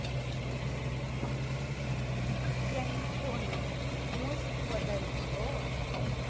я не понял музыку подари клево